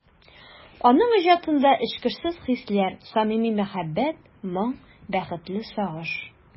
Аның иҗатында эчкерсез хисләр, самими мәхәббәт, моң, бәхетле сагыш...